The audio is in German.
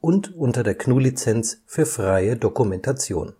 und unter der GNU Lizenz für freie Dokumentation